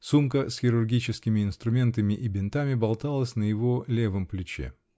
сумка с хирургическими инструментами и бинтами болталась на его левом плече.